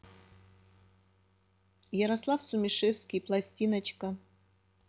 ярослав сумишевский пластиночка